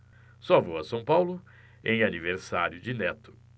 só vou a são paulo em aniversário de neto